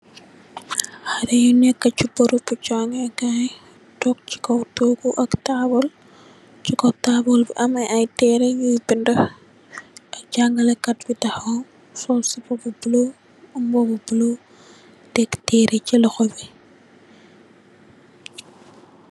Haleh yi nek chi beureubu jaangeh kaii, tok chi kaw tohgu ak taabul, chi kaw taabul bii ameh aiiy tehreh yui bindu, jaangah leh kat bii takhaw sol sip bu bleu am mbuba bu bleu, tek tehreh chi lokhor bii.